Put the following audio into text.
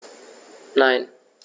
Nein.